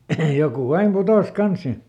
joku aina putosi kanssa sinne